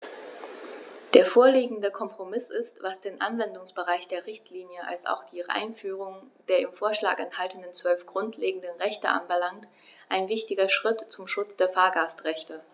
Der vorliegende Kompromiss ist, was den Anwendungsbereich der Richtlinie als auch die Einführung der im Vorschlag enthaltenen 12 grundlegenden Rechte anbelangt, ein wichtiger Schritt zum Schutz der Fahrgastrechte.